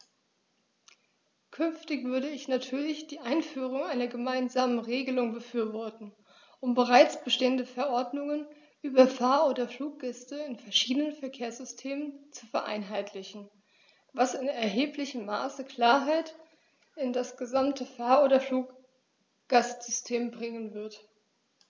Künftig würde ich natürlich die Einführung einer gemeinsamen Regelung befürworten, um bereits bestehende Verordnungen über Fahr- oder Fluggäste in verschiedenen Verkehrssystemen zu vereinheitlichen, was in erheblichem Maße Klarheit in das gesamte Fahr- oder Fluggastsystem bringen wird.